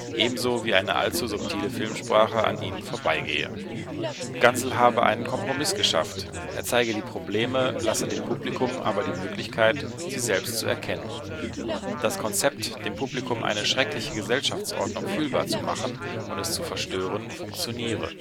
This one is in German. ebenso wie eine allzu subtile Filmsprache an ihnen vorbeigehe. Gansel habe einen Kompromiss geschafft, er zeige die Probleme, lasse dem Publikum aber die Möglichkeit, sie selbst zu erkennen. Das Konzept, dem Publikum eine schreckliche Gesellschaftsordnung fühlbar zu machen und es zu verstören, funktioniere